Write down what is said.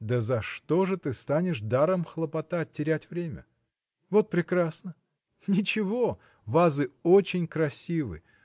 – Да за что ж ты станешь даром хлопотать, терять время? Вот прекрасно! Ничего! вазы очень красивы.